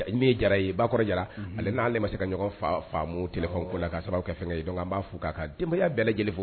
A se la sababu b'a fɔbaya bɛɛ lajɛlen